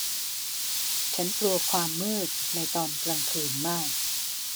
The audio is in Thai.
ฉันกลัวความมืดในตอนกลางคืนมาก